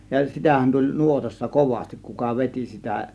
ja sitähän tuli nuotassa kovasti kuka veti sitä